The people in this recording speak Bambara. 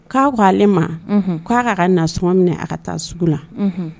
K koa ko ale ma k'a ka ka na suma minɛ a ka taa sugu la